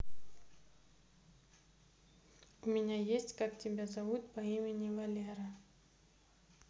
у меня есть как тебя зовут по имени валера